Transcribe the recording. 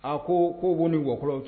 A ko ko' ni wɔkuraw cɛ